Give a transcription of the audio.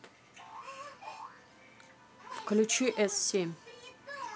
включи с семь